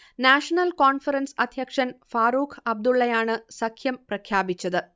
national Conference അധ്യക്ഷൻ ഫാറൂഖ് അബ്ദുള്ളയാണ് സഖ്യം പ്രഖ്യാപിച്ചത്